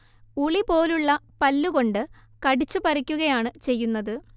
ഉളി പോലുള്ള പല്ലു കൊണ്ട് കടിച്ചു പറിക്കുകയാണ് ചെയ്യുന്നത്